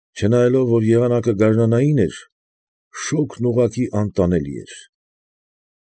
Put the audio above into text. Չնայելով, որ եղանակը գարնանային էր, շոգն ուղղակի անտանելի էր։